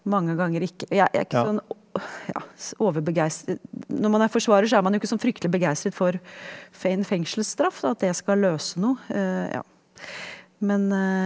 mange ganger ikke jeg jeg er ikke sånn ja overbegeistret når man er forsvarer så er man jo ikke sånn fryktelig begeistret for en fengselsstraff da at det skal løse noe ja men .